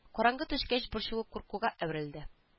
Караңгы төшкәч борчылу куркуга әверелде